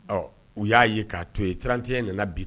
Ɔ u y'a ye k'a to in 31 nana bi